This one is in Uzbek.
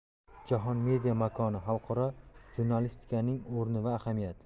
jahon media makoni xalqaro jurnalistikaning o'rni va ahamiyati